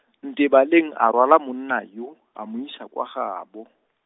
Ntebaleng a rwala monna yo, a mo isa kwa gabo.